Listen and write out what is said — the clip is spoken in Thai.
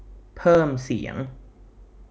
เพิ่มเสียง